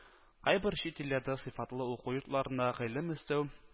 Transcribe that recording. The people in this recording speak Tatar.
Кайбер чит илләрдә сыйфатлы уку йортларында гыйлем өстәү